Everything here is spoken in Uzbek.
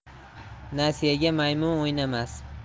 nasiyaga maymun o'ynamas